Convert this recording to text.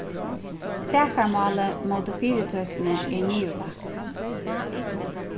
sakarmálið móti fyritøkuni er niðurlagt